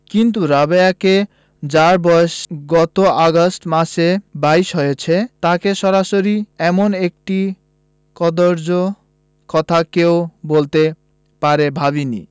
কিন্তু রাবেয়াকে যার বয়স গত আগস্ট মাসে বাইশ হয়েছে তাকে সরাসরি এমন একটি কদৰ্য কথা কেউ বলতে পারে ভাবিনি